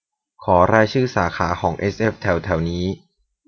ขอรายชื่อสาขาของเอสเอฟแถวแถวนี้